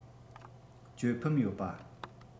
གྱོད ཕམ ཡོད པ